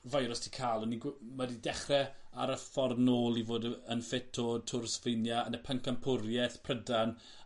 feirws 'di ca'l yn 'i gw- ma' 'di dechre ar y ffordd nôl i fod y yn ffit o Tour Slovenia yn y pencampwrieth Prydan ...